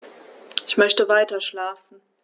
Ich möchte weiterschlafen.